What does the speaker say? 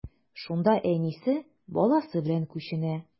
Шунда әнисе, баласы белән күченә.